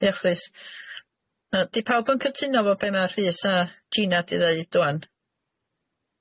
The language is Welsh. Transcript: Diolch rhys. Yy dy pawb yn cytuno efo be' ma Rhys a Gina di ddeud ŵan?